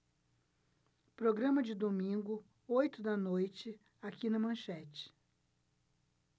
programa de domingo oito da noite aqui na manchete